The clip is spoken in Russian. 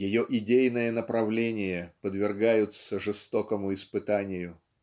ее идейное направление подвергаются жестокому испытанию.